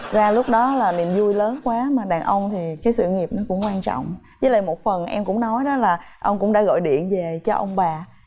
ra lúc đó là niềm vui lớn quá mà đàn ông thì cái sự nghiệp cũng quan trọng với lại một phần em cũng nói đó là ông cũng đã gọi điện về cho ông bà